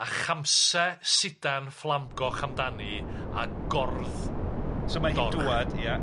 a chamse sidan fflamgoch amdani a gordd... So mae hi'n dŵad... dorch. ...ia.